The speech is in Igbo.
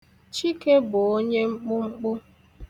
Chike bụ onye mkpụmkpụ